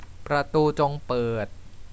ประตูจงเปิด